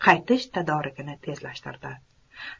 qaytish tadorigini tezlashtirdi